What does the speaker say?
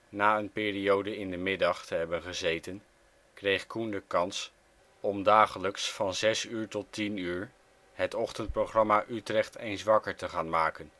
Na een periode in de middag te hebben gezeten kreeg Coen de kans om dagelijks van 6.00 tot 10.00 het ochtendprogramma Utrecht eens wakker te gaan maken